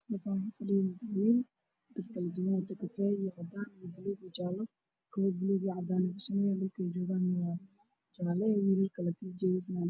Halkaan waxaa fadhiya wiil dhar kala duwan wato kafay iyo cadaan baluug jaallo kabo baluug iyo cadaan ah shumee dhulkee joogaana waa jaalle wiilal kala jeemis.